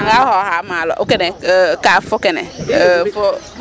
Ndaa nangaa xooxaa kene kaaf fo ?